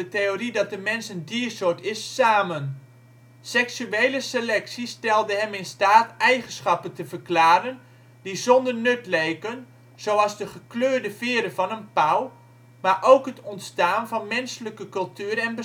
theorie dat de mens een diersoort is samen. Seksuele selectie stelde hem in staat eigenschappen te verklaren die zonder nut leken, zoals de gekleurde veren van een pauw, maar ook het ontstaan van menselijke cultuur en beschaving